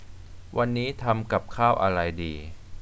วันนี้ทำกับข้าวอะไรดี